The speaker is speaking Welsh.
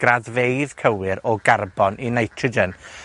graddfeydd cywir o garbon i nitrogen.